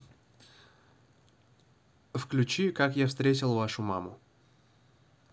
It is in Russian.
включи как я встретил вашу маму